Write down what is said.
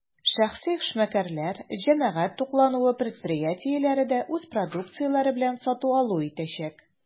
Шәхси эшмәкәрләр, җәмәгать туклануы предприятиеләре дә үз продукцияләре белән сату-алу итәчәк.